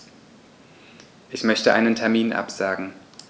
Ich möchte einen Termin absagen.